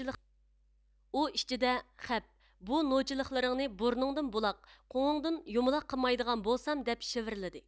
ئۇ ئىچىدە خەپ بۇ نوچىلىقلىرىڭنى بۇرنۇڭدىن بۇلاق قوڭۇڭدىن يۇمىلاق قىلمايدىغان بولسام دەپ شىۋىرلىدى